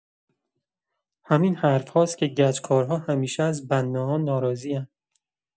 همین حرف‌هاست که گچ‌کارها همیشه از بناها ناراضی‌ان.